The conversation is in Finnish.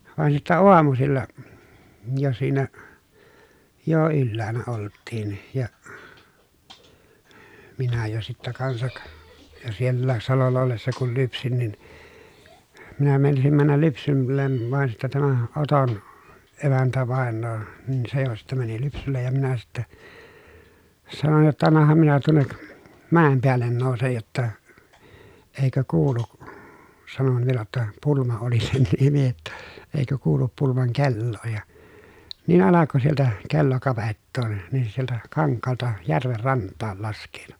vaan sitten aamusilla jo siinä jo ylhäällä oltiin ja minä jo sitten kanssa jo sielläkin salolla ollessa kun lypsin niin minä meinasin mennä lypsylle vaan sitten tämä Oton emäntävainaja niin se jo sitten meni lypsylle ja minä sitten sanoin jotta annahan minä tuonne mäen päälle nousen jotta eikö kuulu sanoin vielä että Pulma oli sen nimi jotta eikö kuulu Pulman kelloa ja niin alkoi sieltä kello kavettaa niin se sieltä kankaalta järven rantaan laskeutui